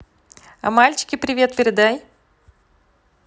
а мальчики привет передай